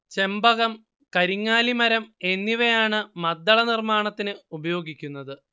ചെമ്പകം കരിങ്ങാലി മരം എന്നിവയാണ് മദ്ദള നിർമ്മാണത്തിന് ഉപയോഗിക്കുന്നത്